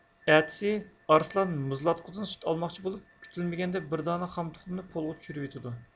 ئەتىسى ئارسلان مۇزلاتقۇدىن سۈت ئالماقچى بولۇپ كۈتۈلمىگەندە بىر دانە خام تۇخۇمنى پولغا چۈشۈرۈۋېتىدۇ